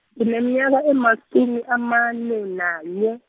ngineminyaka emasumi amane, nanye.